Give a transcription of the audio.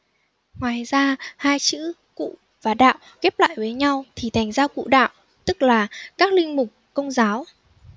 ngoài ra hai chữ cụ và đạo ghép lại với nhau thì thành ra cụ đạo tức là các linh mục công giáo